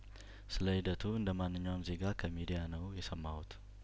ስለሂደቱ እንደማንኛውም ዜጋ ከሚዲያነው የሰማሁት